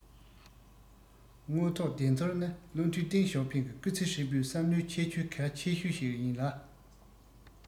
དངོས ཐོག བདེན འཚོལ ནི བློ མཐུན ཏེང ཞའོ ཕིང གི སྐུ ཚེ ཧྲིལ པོའི བསམ བློའི ཁྱད ཆོས གལ ཆེ ཤོས ཤིག ཡིན ལ